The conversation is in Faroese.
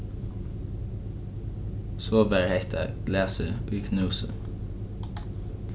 so var hetta glasið í knúsi